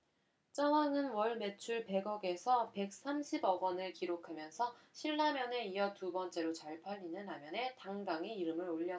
짜왕은 월 매출 백 억 에서 백 삼십 억원을 기록하면서 신라면에 이어 두번째로 잘 팔리는 라면에 당당히 이름을 올렸다